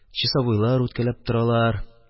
Часовойлар үткәләп торалар.